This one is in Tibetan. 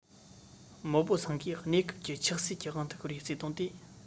མའོ པོ སེང གིས གནས སྐབས ཀྱི ཆགས སྲེད ཀྱི དབང དུ ཤོར བའི བརྩེ དུང དེས